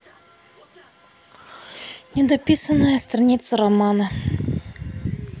недописанная страница романа